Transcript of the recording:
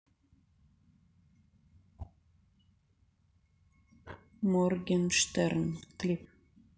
morgenstern клип